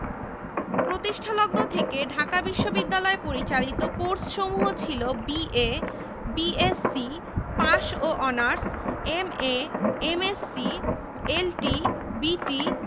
শিক্ষা ও জ্ঞানের সকল ক্ষেত্রে তাদের অবদান অনস্বীকার্য এটিআজ অবধারিত যে ঢাকা বিশ্ববিদ্যালয় কতিপয় হিন্দু নেতার ধারণা অনুযায়ী